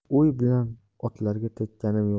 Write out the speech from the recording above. o'y bilan otlarga tekkanim yo'q